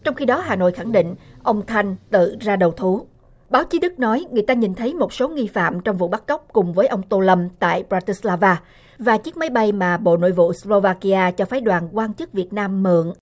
trong khi đó hà nội khẳng định ông thanh tự ra đầu thú báo chí đức nói người ta nhìn thấy một số nghi phạm trong vụ bắt cóc cùng với ông tô lâm tại poa tứt la va và chiếc máy bay mà bộ nội vụ sờ lô va ki a cho phái đoàn quan chức việt nam mượn